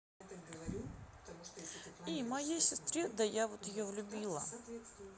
i моей сестре да я вот ее влюбила